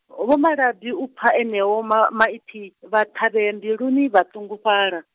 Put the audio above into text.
Vho Malabi u pfa eneo ma maipfi, vha thavhea mbiluni vhatungufhala.